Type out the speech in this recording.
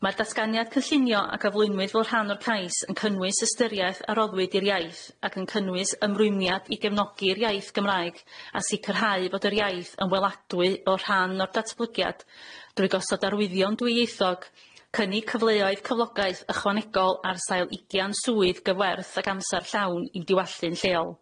Ma'r datganiad cyllinio a gyflwynwyd fel rhan o'r cais yn cynnwys ystyriaeth a roddwyd i'r iaith ac yn cynnwys ymrwymiad i gefnogi'r iaith Gymraeg a sicrhau fod yr iaith yn weladwy fel rhan o'r datblygiad drwy gosod arwyddion dwyieithog cynnig cyfleoedd cyflogaeth ychwanegol ar sail ugian swydd gyfwerth ag amser llawn i'm diwallu'n lleol.